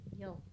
joo